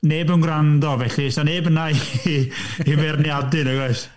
Neb yn gwrando felly, 'sa neb yna i i ferniadu, nag oes.